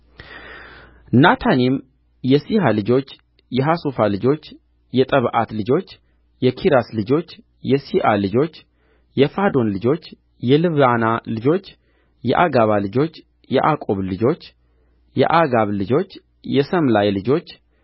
ናታኒም የሲሐ ልጆች የሐሡፋ ልጆች የጠብዖት ልጆች የኬራስ ልጆች የሲዓ ልጆች የፋዶን ልጆች የልባና ልጆች የአጋባ ልጆች የዓቁብ ልጆች የአጋብ ልጆች የሰምላይ ልጆች